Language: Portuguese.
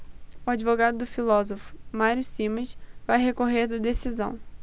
o advogado do filósofo mário simas vai recorrer da decisão